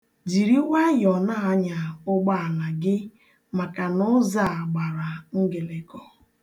Jiri wayọ na-anya ụgbọala gị maka na ụzọ a gbara ngịlịgọ.